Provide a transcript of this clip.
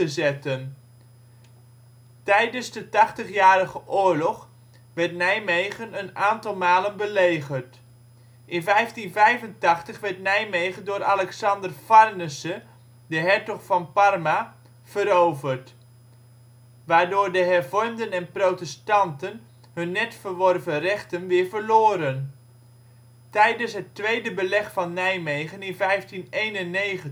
zetten. Kaart uit 1591 van het Beleg van Nijmegen Tijdens de Tachtigjarige Oorlog werd Nijmegen een aantal malen belegerd. In 1585 werd Nijmegen door Alexander Farnese, de hertog van Parma, veroverd, waardoor de hervormden en protestanten hun net verworven rechten weer verloren. Tijdens het tweede Beleg van Nijmegen in 1591